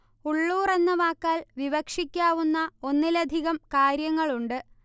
ഉള്ളൂർ എന്ന വാക്കാൽ വിവക്ഷിക്കാവുന്ന ഒന്നിലധികം കാര്യങ്ങളുണ്ട്